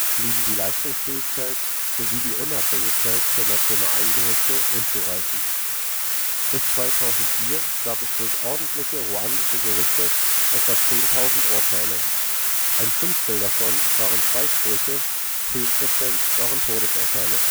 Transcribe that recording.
blieben die Leistungsfähigkeit sowie die Unabhängigkeit der nationalen Gerichte unzureichend. Bis 2004 gab es durch ordentliche ruandische Gerichte etwa 10.000 Urteile, ein Fünftel davon waren Freisprüche, zehn Prozent Todesurteile